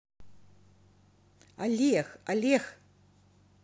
олег олег